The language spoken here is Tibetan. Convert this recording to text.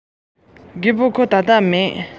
ཉིད དུ གསར རྩོམ གནང བ ཤེས ཐུབ